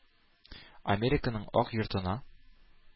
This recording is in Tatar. Американың Ак йортына,